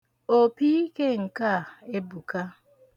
Opiike nke a ebuka.